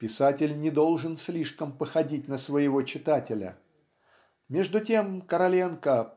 Писатель не должен слишком походить на своего читателя. Между тем Короленко